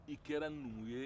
i kɛra numu ye